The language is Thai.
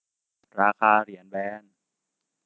ราคาเหรียญแบรนด์